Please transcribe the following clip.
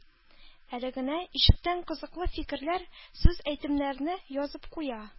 Әле генә ишеткән кызыклы фикерләр, сүз-әйтемнәрне язып куя